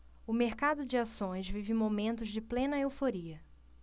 o mercado de ações vive momentos de plena euforia